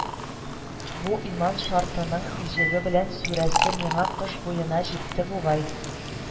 Бу "Иман шарт"ының иҗеге белән сүрәсе миңа кыш буена җитте бугай